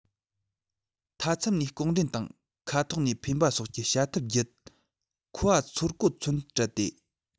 མཐའ མཚམས ནས ལྐོག འདྲེན དང མཁའ ཐོག ནས འཕེན པ སོགས ཀྱི བྱ ཐབས བརྒྱུད ཁོ པ ཚོར གོ མཚོན སྤྲད དེ